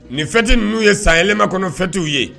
Nin fitti ninnuu ye sanyɛlɛma kɔnɔ fɛtw ye